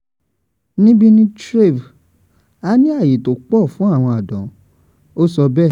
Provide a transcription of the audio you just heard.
"Níbi ní Threave a ní ààyè tó pọ̀ fú àwọn àdán,” o sọ bẹ́ẹ̀.